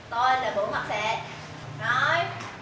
tôi là bửu mặt xệ nói